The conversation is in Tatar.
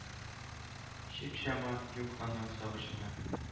Чик-чама юк аның сагышына.